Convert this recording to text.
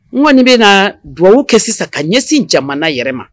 Mɔni bɛ na dubabu kɛ sisan ka ɲɛsin jamana yɛrɛ ma